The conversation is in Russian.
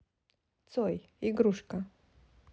цой игрушка